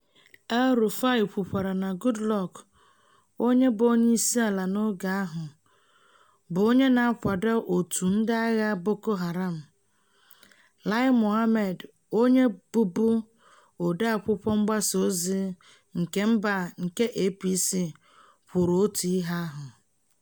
El-Rufai kwukwara na Goodluck, onye bụ onyeisiala n'oge ahụ, bụ onye na-akwado òtù ndị agha Boko Haram. Lai Mohammed, onye bụbu Odeakwụkwọ Mgbasa Ozi Kemba nke APC, kwuru otu ihe ahụ.